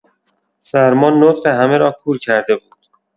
سرما نطق همه را کور کرده بود.